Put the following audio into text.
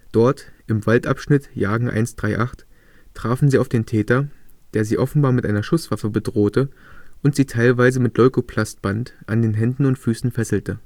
Dort, im Waldabschnitt Jagen 138, trafen sie auf den Täter, der sie offenbar mit einer Schusswaffe bedrohte und sie teilweise mit Leukoplastband an den Händen und Füßen fesselte